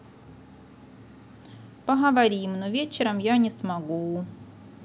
поговорим но вечером я не смогу